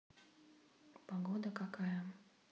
погода какая